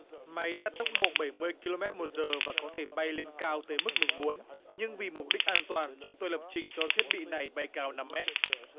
máy đạt tốc độ bảy mươi ki lô mét một giờ và có thể bay lên cao thì mức mình muốn nhưng vì mục đích an toàn chúng tôi lập trình cho thiết bị này bày cao năm mét